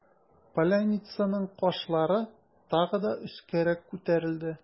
Поляницаның кашлары тагы да өскәрәк күтәрелде.